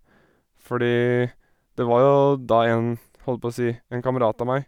Fordi det var jo da, en holdt på si, en kamerat av meg.